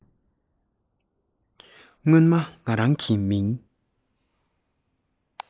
སྔོན མ ངས རང གི མིང